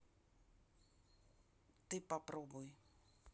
ты попробуй